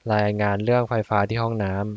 รายงานเรื่องไฟฟ้าที่ห้องน้ำ